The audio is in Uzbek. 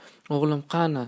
o'g'lim qani